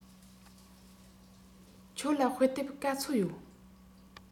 ཁྱོད ལ དཔེ དེབ ག ཚོད ཡོད